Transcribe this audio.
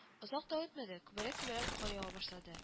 Озак та үтмәде, күбәләк-күбәләк кар ява башлады